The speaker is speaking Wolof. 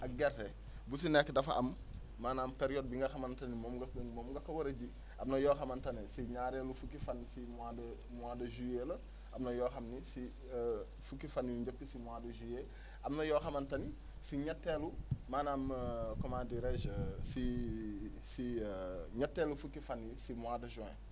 ak gerte bu si nekk dafa am maanaam période bi nga xamante ni moom nga ko moom nga ko war a ji am na yoo xamante ne si ñaareelu fukki fan si mois de mois de juillet la am na yoo xam ni si fukki fan yu njëkk si mois de juillet am na yoo xamante ni si ñetteelu maanaam comment dirais je si ci ñetteelu fukki fan yi si mois de juin